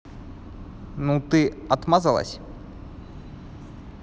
ну ты отмазалась